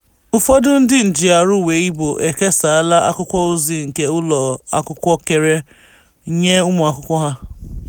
Ụfọdụ ndị njiarụ Weibo ekesala akwụkwọ ozi nke ụlọakwụkwọ kere nye ụmụakwụkwọ ha.